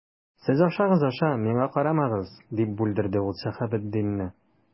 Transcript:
Сез ашагыз, аша, миңа карамагыз,— дип бүлдерде ул Сәхәбетдинне.